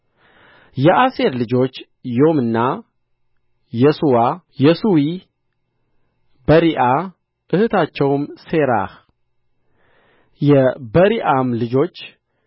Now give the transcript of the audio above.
የአሴር ልጆች ዪምና የሱዋ የሱዊ በሪዓ እኅታቸውም ሤራሕ የበሪዓም ልጆች